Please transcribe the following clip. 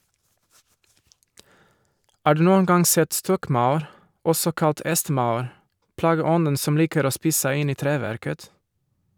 Har du noen gang sett stokkmaur, også kalt hestemaur, plageånden som liker å spise seg inn i treverket?